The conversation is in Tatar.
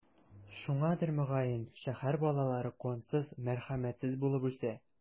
Шуңадыр, мөгаен, шәһәр балалары кансыз, мәрхәмәтсез булып үсә.